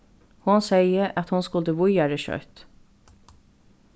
hon segði at hon skuldi víðari skjótt